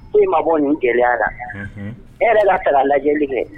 I ma bɔ nin gɛlɛya la hɛrɛ la kalan lajɛli kɛ